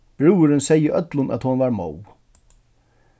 brúðurin segði øllum at hon var móð